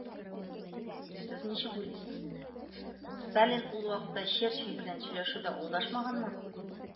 Сез ничек уйлыйсыз, Сталин ул вакытта Черчилль белән сөйләшүдә алдашмаганмы?